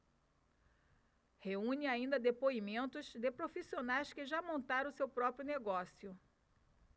reúne ainda depoimentos de profissionais que já montaram seu próprio negócio